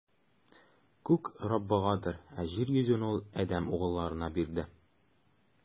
Күк - Раббыгадыр, ә җир йөзен Ул адәм угылларына бирде.